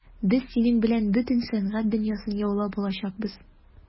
Без синең белән бөтен сәнгать дөньясын яулап алачакбыз.